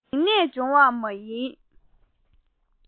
རིག གནས སྦྱོང བ མ ཡིན